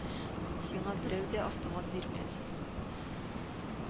Сиңа берәү дә автомат бирмәс